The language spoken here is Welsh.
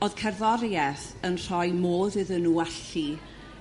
O'dd cerddori'eth yn rhoi modd iddyn nhw allu